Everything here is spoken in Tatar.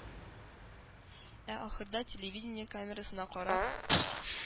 Ә ахырда телевидение камерасына карап,